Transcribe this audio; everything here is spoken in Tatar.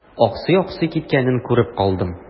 Аксый-аксый киткәнен күреп калдым.